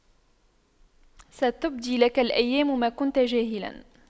ستبدي لك الأيام ما كنت جاهلا